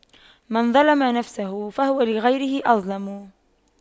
من ظَلَمَ نفسه فهو لغيره أظلم